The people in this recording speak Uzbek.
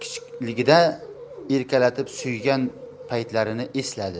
kichikligida erkalatib suygan paytlarini esladi